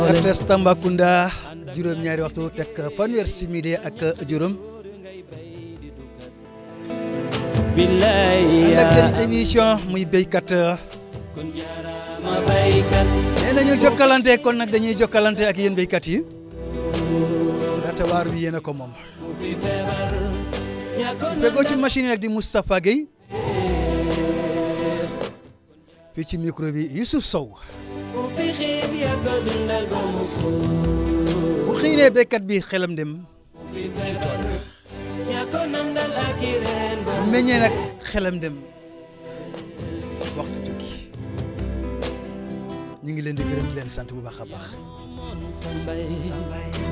RTS tambacounda juróom-ñaari waxtu yu teg fanweeri simili ak juróom ànd ak seen i émission muy baykat nee na ñu Jokalante kon nag da ñuy jokkalante ak yéen baykat yi ndaxte waar wi yéen a ko moom ki fegoo ci machine yi nag di Moustapha Guèye ki ci micro bi Youssouph Sow bu xiinee baykat bi xelam dem ci toolba bu meññee nag xelam dem waxtu jukki ñu ngi leen di gërëm di leen sant bu baax a baax